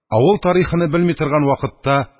Авыл тарихыны белми торган вакытта